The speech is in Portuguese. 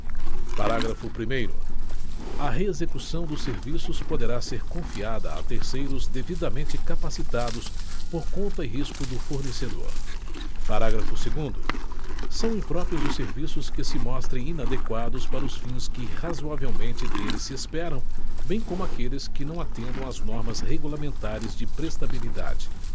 parágrafo primeiro a reexecução dos serviços poderá ser confiada a terceiros devidamente capacitados por conta e risco do fornecedor parágrafo segundo são impróprios os serviços que se mostrem inadequados para os fins que razoavelmente deles se esperam bem como aqueles que não atendam as normas regulamentares de prestabilidade